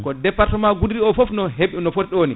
ko département Goudiri o foof no hed no footi ɗo ni